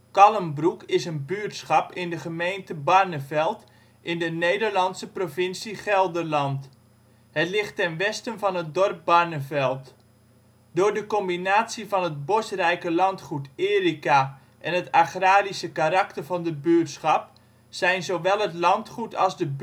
Kallenbroek is een buurtschap in de gemeente Barneveld, in de Nederlandse provincie Gelderland. Het ligt ten westen van het dorp Barneveld. Door de combinatie van het bosrijke landgoed Erica en het agrarische karakter van de buurtschap zijn zowel het landgoed als de